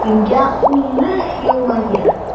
Кемгә уңыш елмаер?